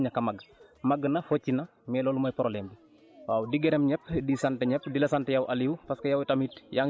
jooyuñ ci pour mu manquer ndox wala mu ñàkk a sax wala mu ñàkk a màgg màgg na focc na mais loolu mooy problème bi waaw di gërëm ñëpp di sant ñëpp